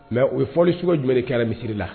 Mɛ u ye fɔli sugu jumɛn kɛ misisiriri la